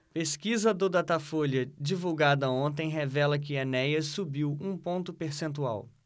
pesquisa do datafolha divulgada ontem revela que enéas subiu um ponto percentual